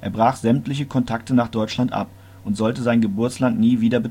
brach sämtliche Kontakte nach Deutschland ab und sollte sein Geburtsland nie wieder